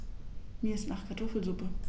Mir ist nach Kartoffelsuppe.